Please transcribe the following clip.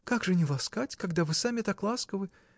— Как же не ласкать, когда вы сами так ласковы!